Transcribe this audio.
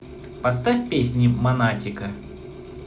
поставь песни монатика